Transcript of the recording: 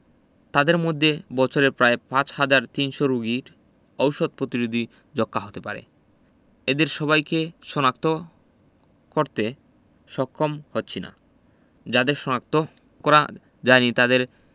এদের মধ্যে বছরে প্রায় ৫ হাজার ৩০০ রোগীর ওষুধ পতিরোধী যক্ষ্মা হতে পারে এদের সবাইকে শনাক্ত করতে সক্ষম হচ্ছি না যাদের শনাক্ত করা যায়নি তাদের